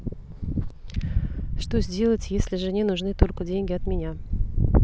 что сделать если жене нужны только деньги от меня